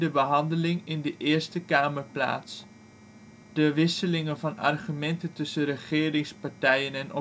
behandeling in de Eerste Kamer plaats. De wisseling van argumenten tussen regeringspartijen en oppositiepartijen